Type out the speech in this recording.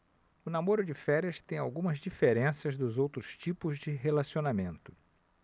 o namoro de férias tem algumas diferenças dos outros tipos de relacionamento